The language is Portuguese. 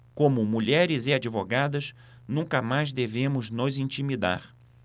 como mulheres e advogadas nunca mais devemos nos intimidar